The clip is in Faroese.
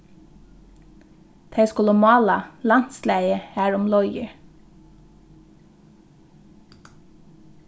tey skulu mála landslagið har um leiðir